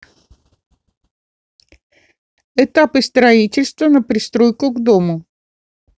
этапы строительства на пристройку к дому